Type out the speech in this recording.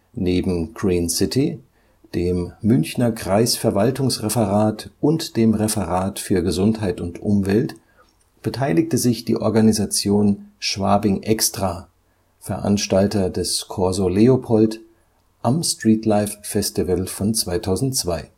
Neben Green City, dem Münchner Kreisverwaltungsreferat und dem Referat für Gesundheit und Umwelt beteiligte sich die Organisation Schwabing extra, Veranstalter des Corso Leopold, am Streetlife Festival von 2002